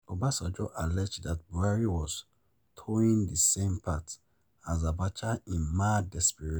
Obasanjo alleged that Buhari was towing the "same path" as Abacha "in mad desperation".